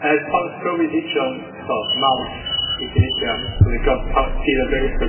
Yy ers pan nath Covid hitio'n fel Mawrth ugian ugian,